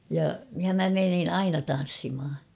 ja ja minä menin aina tanssimaan